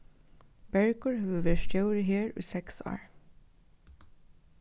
bergur hevur verið stjóri her í seks ár